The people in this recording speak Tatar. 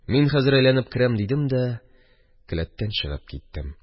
Мин хәзер әйләнеп керәм, – дидем дә келәттән чыгып киттем